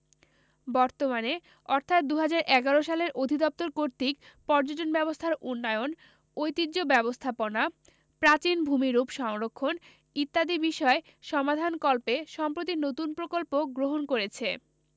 বর্তমানে অর্থাৎ ২০১১ সালের অধিদপ্তর কর্তৃক পর্যটন ব্যবস্থার উন্নয়ন ঐতিহ্য ব্যবস্থাপনা প্রাচীন ভূমিরূপ সংরক্ষণ ইত্যাদিবিষয় সমাধানকল্পে সম্প্রতি নতুন প্রকল্প গ্রহণ করেছে